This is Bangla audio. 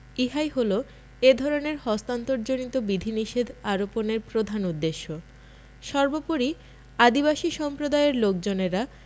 ইহাই হল এ ধরনের হস্তান্তরজনিত বিধিনিষেধ আরোপনের প্রধান উদ্দেশ্য সর্বপরি আদিবাসী সম্প্রদায়ের লোকজনেরা